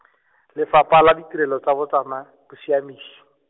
Lefapha la Ditirelo tsa Botsama-, Bosiamisi.